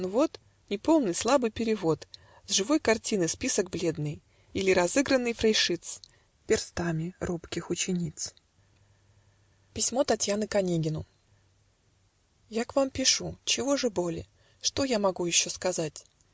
Но вот Неполный, слабый перевод, С живой картины список бледный Или разыгранный Фрейшиц Перстами робких учениц: Письмо Татьяны к Онегину Я к вам пишу - чего же боле? Что я могу еще сказать?